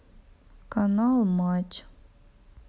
канал мать